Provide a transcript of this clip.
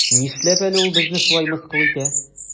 Нишләп әле ул безне шулай мыскыл итә?